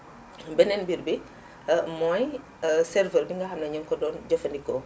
beneen mbir bi mooy serveur bi nga xam ni ñu ngi ko doon jafandikoo